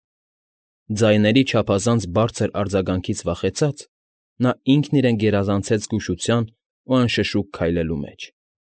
Ձայների չափազանց բարձր արձագանքից վախեցած՝ նա ինքն իրեն գերազանցեց զգուշության ու անշշուկ քայլելու մեջ։